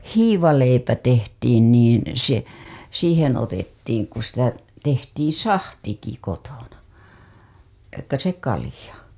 hiivaleipä tehtiin niin se siihen otettiin kun sitä tehtiin sahtikin kotona taikka se kalja